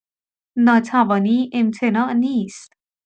ناتوانی امتناع نیست.